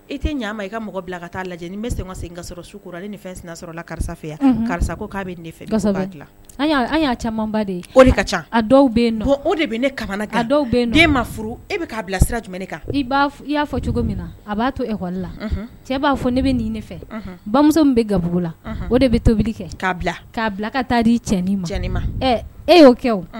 E tɛ ɲa ma i ka mɔgɔ bila ka taaa lajɛ ni bɛ segin ka sen n ka sɔrɔ sukura ale fɛn sin sɔrɔ la karisa fɛya karisa ko k'a bɛ ne fɛsa an y'a camanba o de ka ca a dɔw o de bɛ nemana dɔw ma furu e bɛ k'a bila sira jumɛn ne kan i y'a fɔ cogo min na a b'a to ekɔli la cɛ b'a fɔ ne bɛ nin ne fɛ ba bɛ gabugu la o de bɛ tobili kɛ'a k'a bila ka taa di cɛn ni cɛnin ma e y'o kɛ o